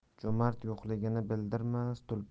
jo'mard yo'qligini bildirmas